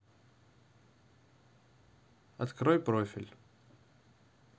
открой профиль